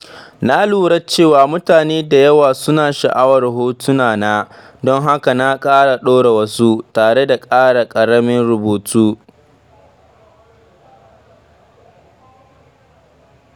Na lura cewa mutane da yawa suna sha’awar hotuna na, don haka na ƙara ɗora wasu, tare da ƙara ƙaramin rubutu.